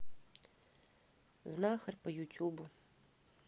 знахарь по ютюбу